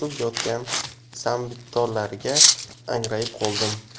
bo'yida o'sib yotgan sambittollarga angrayib qoldim